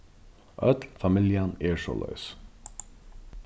øll familjan er soleiðis